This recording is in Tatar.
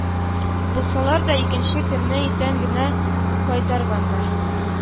Булсалар да, икенче көнне иртән генә кайтарганнар